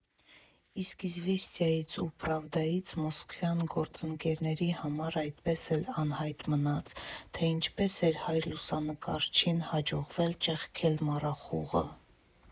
Իսկ «Իզվեստիայից» ու «Պրավդայից» մոսկովյան գործընկերների համար այդպես էլ անհայտ մնաց, թե ինչպես էր հայ լուսանկարչին հաջողվել ճեղքել մառախուղը։